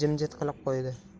jimjit qilib qo'ydi